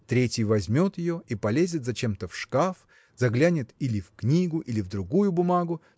Третий возьмет ее и полезет зачем-то в шкаф заглянет или в книгу или в другую бумагу